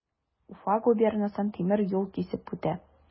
Уфа губернасын тимер юл кисеп үтә.